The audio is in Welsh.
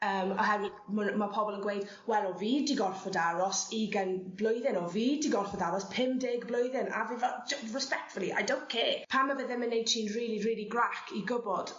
yym oherwy' ma' n'w ma' pobol yn gweud wel o' fi 'di gorffod aros ugen blwyddyn o' fi 'di gorffod aros pum deg blwyddyn a fi fel jy- respectfully I don't care pam ma' fe ddim y neud ti'n rili rili grac i gwbod